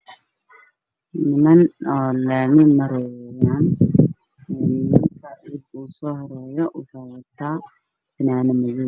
Meeshaan waa laami waxaa gadaal uga yaaba guri dabaq aada u dheer oo jaalle ah wiil ayaa maraayo